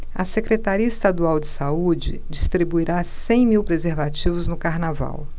a secretaria estadual de saúde distribuirá cem mil preservativos no carnaval